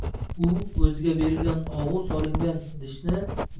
u o'ziga berilgan og'u solingan idishni